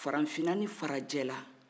farafina ni farajɛ la